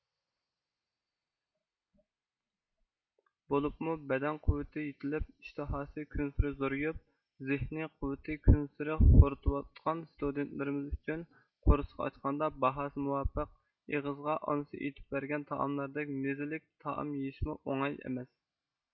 بولۇپمۇ بەدەن قۇۋۋىتى يېتىلىپ ئىشتىھاسى كۈنسېرى زورىيىپ زېھنىي قۇۋۋىتىنى كۈنسېرى خورىتىۋاتقان ستۇدېنتلىرىمىز ئۈچۈن قورسىقى ئاچقاندا باھاسى مۇۋاپىق ئېغىزىغا ئانىسى ئېتىپ بەرگەن تائاملاردەك مېززىلىك تائام يېيىشمۇ ئوڭاي ئەمەس